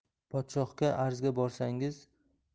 podshohga arzga borsangiz